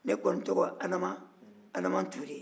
ne kɔni tɔgɔ adama adama ture